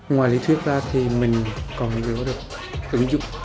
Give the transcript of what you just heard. ngoài lý thuyết ra thì mình còn nhớ được ứng dụng